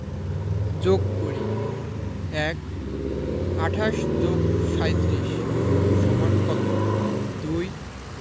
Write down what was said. যোগ করিঃ ১ ২৮ + ৩৭ = কত ২